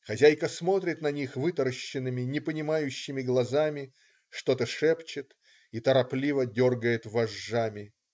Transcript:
Хозяйка смотрит на них вытаращенными, непонимающими глазами, что-то шепчет и торопливо дергает вожжами.